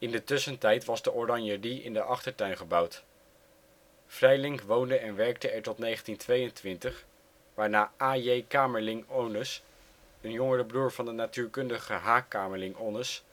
de tussentijd was de oranjerie in de achtertuin gebouwd. Frijlinck woonde en werkte er tot 1922, waarna A.J. Kamerlingh Onnes, een jongere broer van de natuurkundige H. Kamerlingh Onnes